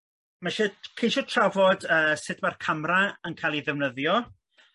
ma' isio ceisio trafod yy sut ma'r camra yn ca'l i ddefnyddio